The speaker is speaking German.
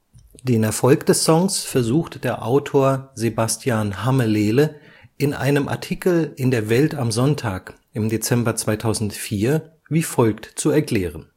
Den Erfolg des Songs versucht der Autor Sebastian Hammelehle in einem Artikel in der Welt am Sonntag im Dezember 2004 wie folgt zu erklären